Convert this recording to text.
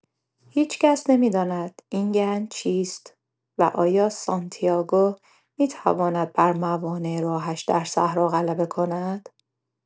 هیچ‌کس نمی‌داند این گنج چیست و آیا سانتیاگو می‌تواند بر موانع راهش در صحرا غلبه کند؟